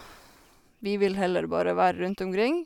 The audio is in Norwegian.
Vi vil heller bare være rundt omkring.